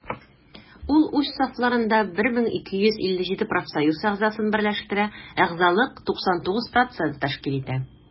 Ул үз сафларында 1257 профсоюз әгъзасын берләштерә, әгъзалык 99 % тәшкил итә.